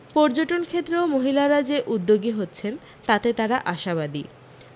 পর্যটন ক্ষেত্রেও মহিলারা যে উদ্যোগী হচ্ছেন তাতে তাঁরা আশাবাদী